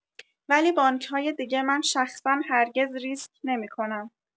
ولی بانک‌های دیگه من شخصا هرگز ریسک نمی‌کنم.